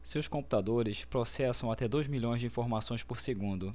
seus computadores processam até dois milhões de informações por segundo